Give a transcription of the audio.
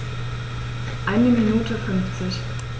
Eine Minute 50